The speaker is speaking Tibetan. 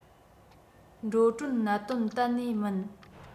འགྲོ གྲོན གནད དོན གཏན ནས མིན